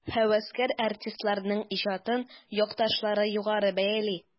Һәвәскәр артистларның иҗатын якташлары югары бәяли.